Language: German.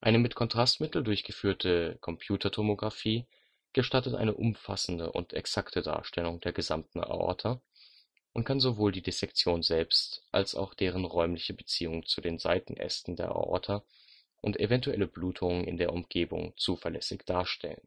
Kontrastmittel durchgeführte CT gestattet eine umfassende und exakte Darstellung der gesamten Aorta und kann sowohl die Dissektion selbst als auch deren räumliche Beziehung zu den Seitenästen der Aorta und eventuelle Blutungen in der Umgebung zuverlässig darstellen